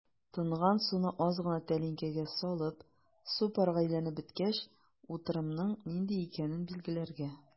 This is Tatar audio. Тонган суны аз гына тәлинкәгә салып, су парга әйләнеп беткәч, утырымның нинди икәнен билгеләргә.